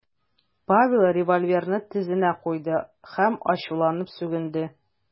Павел револьверны тезенә куйды һәм ачуланып сүгенде .